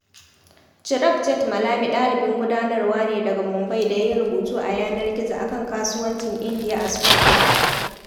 Chirag Jethmalami ɗalibin gudanarwa ne daga Mumbai da ya yi rubutu a yanar gizo akan kasuwancin India a Squamble.